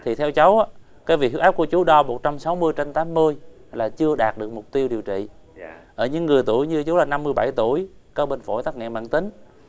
thì theo cháu cái việc huyết áp của chú đo một trăm sáu mươi trên tám mươi là chưa đạt được mục tiêu điều trị ở những người tuổi như chú là năm mươi bảy tuổi có bệnh phổi tắc nghẽn mãn tính